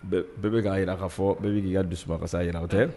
Bɛɛ bɛka k'a jira k ka fɔ bɛɛ b k'i ka dusuba ka yi tɛ